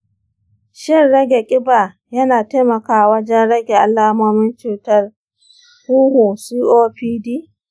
shin rage kiba yana taimakawa wajen rage alamomin cutar huhu copd?